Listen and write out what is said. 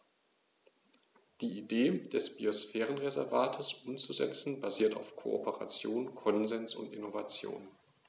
Die Idee des Biosphärenreservates umzusetzen, basiert auf Kooperation, Konsens und Innovation.